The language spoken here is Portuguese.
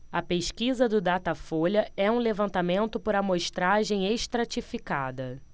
a pesquisa do datafolha é um levantamento por amostragem estratificada